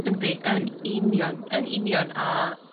Yndi yn union yn union a